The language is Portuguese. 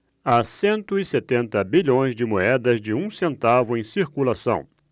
há cento e setenta bilhões de moedas de um centavo em circulação